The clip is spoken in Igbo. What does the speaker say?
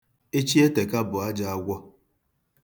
Echieteka bụ ajọ agwọ.